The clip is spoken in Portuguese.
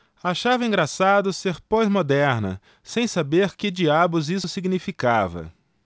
achava engraçado ser pós-moderna sem saber que diabos isso significava